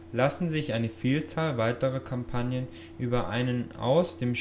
lassen sich eine Vielzahl weiterer Kampagnen über einen aus dem